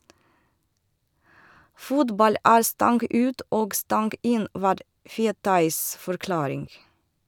Fotball er stang ut og stang inn, var Fetais forklaring.